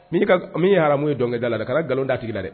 Min ka min ye aramu ye dɔnkɛ da la ka nkalon da a tigi la dɛ.